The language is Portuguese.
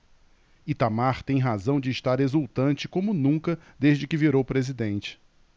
itamar tem razão de estar exultante como nunca desde que virou presidente